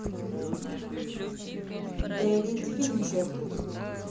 дэвид финчер